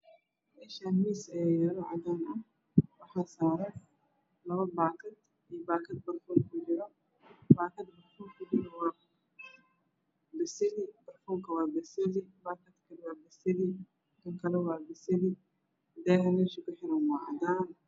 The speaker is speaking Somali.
Meeshaan miis aya yaalo cadaan ah waxa saaran labo baakad iyo baakad burduun ku jiro waa basali daaha meesha ku xiran waa cadaan